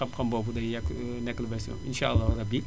xam-xam boobu day ya nekk lu bees si moom insaa àllaaxu rabbi